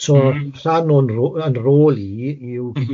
So rhan o'n rô- yn rôl i yw... M-hm.